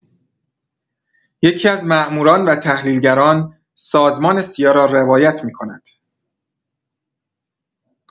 یکی‌از ماموران و تحلیلگران سازمان سیا را روایت می‌کند.